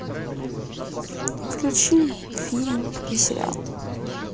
включи фильмы и сериал